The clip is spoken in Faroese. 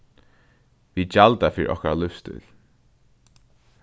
vit gjalda fyri okkara lívsstíl